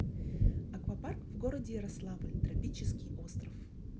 аквапарк в городе ярославль тропический остров